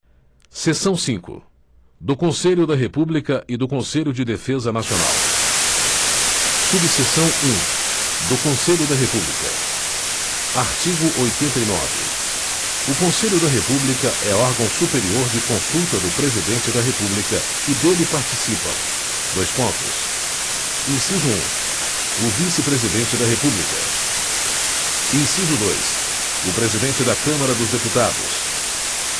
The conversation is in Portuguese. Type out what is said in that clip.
seção cinco do conselho da república e do conselho de defesa nacional subseção um do conselho da república artigo oitenta e nove o conselho da república é órgão superior de consulta do presidente da república e dele participam dois pontos inciso um o vice presidente da república inciso dois o presidente da câmara dos deputados